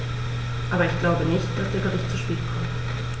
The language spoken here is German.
Aber ich glaube nicht, dass der Bericht zu spät kommt.